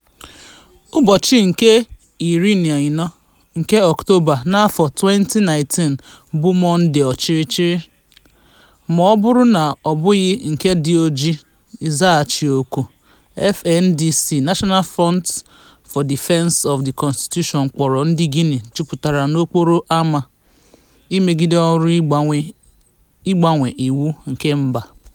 Ụbọchị 14 nke Ọktoba, 2019, bụ Mọnde ọchịchịrị, ma ọ bụrụ na ọ bụghị nke dị oji, ịzaghachi òkù FNDC [National Front for the Defense of the constitution] kpọrọ, ndị Guinea jupụtara n'okporo ama imegide ọrụ ịgbanwe iwu nke mba.